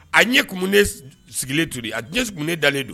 A ɲɛ kun sigilen tun de a kun ne dalenlen don